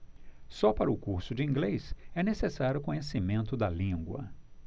só para o curso de inglês é necessário conhecimento da língua